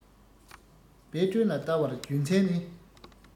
དཔལ སྒྲོན ལ བལྟ བར རྒྱུ མཚན ནི